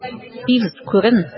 Пивз, күрен!